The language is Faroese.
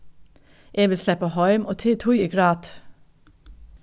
eg vil sleppa heim og tað er tí eg gráti